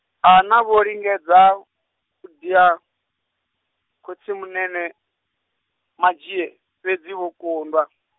avha vho lingedza, u dia, khotsimunene, Madzhie, fhedzi vha kundwa.